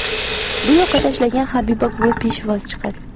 bu yoqqa tashlagan habiba buvi peshvoz chiqadi